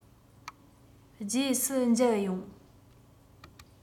རྗེས སུ མཇལ ཡོང